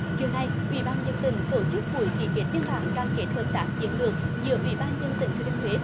chiều nay ủy ban dân tỉnh tổ chức buổi ký kết biên bản cam kết hợp tác chiến lược giữa ủy ban dân tỉnh thừa thiên huế